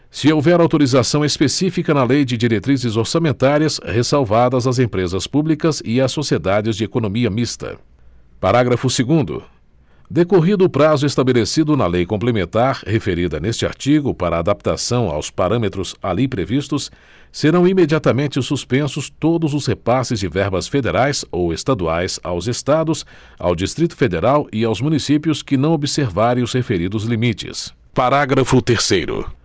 se houver autorização específica na lei de diretrizes orçamentárias ressalvadas as empresas públicas e as sociedades de economia mista parágrafo segundo decorrido o prazo estabelecido na lei complementar referida neste artigo para a adaptação aos parâmetros ali previstos serão imediatamente suspensos todos os repasses de verbas federais ou estaduais aos estados ao distrito federal e aos municípios que não observarem os referidos limites parágrafo terceiro